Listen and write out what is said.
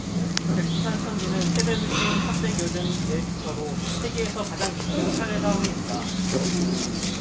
백두산 천지는 최대 수심 삼백 여든 네 미터로 세계에서 가장 깊은 칼데라 호입니다